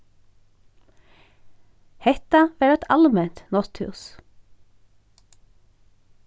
hetta var eitt alment nátthús